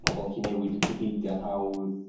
pobol allu newid Wicipeidia'n hawdd